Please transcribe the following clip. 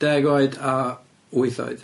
Deg oed a wyth oed.